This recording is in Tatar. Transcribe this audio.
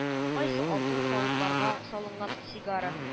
Кайсы алтын савытларга салынган сигара